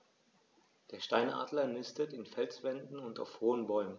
Der Steinadler nistet in Felswänden und auf hohen Bäumen.